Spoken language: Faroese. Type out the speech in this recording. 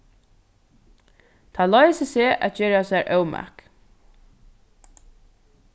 tað loysir seg at gera sær ómak